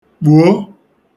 kpùo